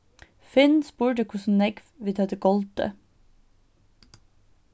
finn spurdi hvussu nógv vit høvdu goldið